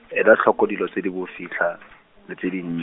ela tlhoko dilo tse di bofitlha, le tse dinn-.